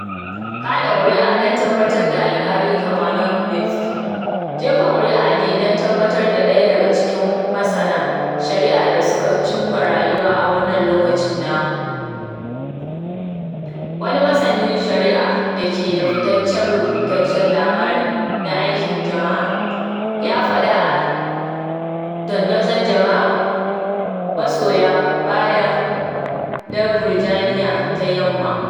“Kaɗa ƙuri’a don tabbatar da Alkali Kavanaugh West jefa ƙuri’a ne don tabbatar da ɗaya daga cikin masana shari’a da suka cimma rayuwa a wannan loƙacin namu, wani masanin shari’a da ke da fitaccen rubutaccen labari na aikin jama’a,” ya faɗa a dandazon jama’a magoya baya na Virginia ta Yamma.